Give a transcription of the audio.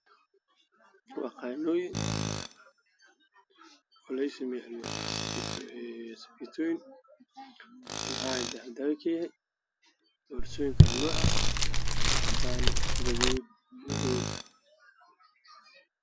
Waa tukaan boorsooyin ayaa yaalo